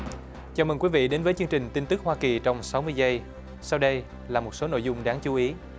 chào mừng quý vị đến với chương trình tin tức hoa kỳ trong sáu mươi giây sau đây là một số nội dung đáng chú ý